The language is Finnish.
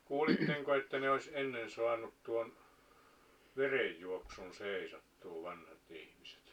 kuulitteko että ne olisi ennen saanut tuon verenjuoksun seisahtumaan vanhat ihmiset